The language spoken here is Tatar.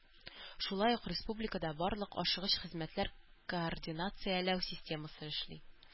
Шулай ук республикада барлык ашыгыч хезмәтләр координацияләү системасы эшли.